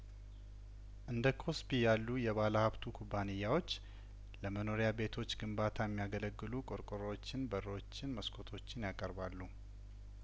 እንደ ኮስፒ ያሉ የባለሀብቱ ኩባንያዎች ለመኖሪያ ቤቶቹ ግንባታ የሚያገለግሉ ቆርቆሮዎችን በሮችን መስኮቶችን ያቀርባሉ